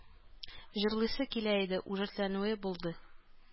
Җырлыйсы килә иде, үҗәтләнүе булды